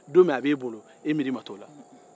don min a bɛ e bolo e miiri ma t'o a la